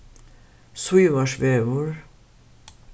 sívarsvegur